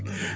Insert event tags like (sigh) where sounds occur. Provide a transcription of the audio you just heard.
(hesitation) (hesitation)